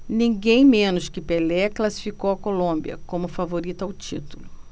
ninguém menos que pelé classificou a colômbia como favorita ao título